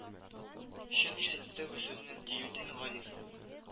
Чөн ишетте бу сүзне Диюдин Гали